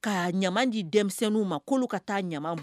Ka ɲama di denmisɛnninw ma k'olu ka taa ɲama bɔn